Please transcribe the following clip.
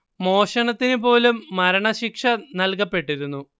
മോഷണത്തിനു പോലും മരണ ശിക്ഷ നൽകപ്പെട്ടിരുന്നു